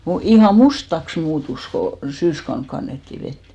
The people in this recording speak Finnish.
- ihan mustaksi muuttui kun syyskautena kannettiin vettä